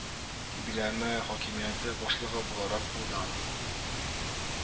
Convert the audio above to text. Биләмә хакимияте башлыгы буларак, кулдан